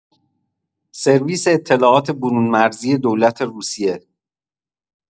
سرویس اطلاعات برون‌مرزی دولت روسیه